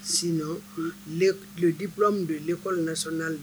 le diplôme de l'école nationale